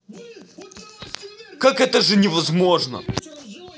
как это же невозможно